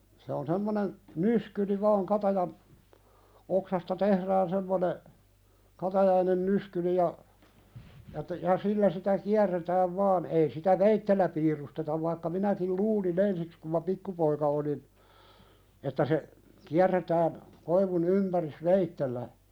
se on semmoinen nyskyri vain katajan oksasta tehdään semmoinen katajainen nyskyri ja ja että ja sillä sitä kierretään vain ei sitä veitsellä piirustetaan vaikka minäkin luulin ensiksi kun minä pikkupoika olin että se kierretään koivun ympäri veitsellä